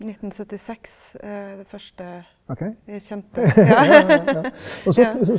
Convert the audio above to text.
1976 er det første kjente ja ja.